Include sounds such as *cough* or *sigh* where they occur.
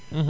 *hesitation* *hesitation*